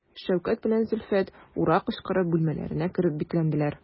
Шәүкәт белән Зөлфәт «ура» кычкырып бүлмәләренә кереп бикләнделәр.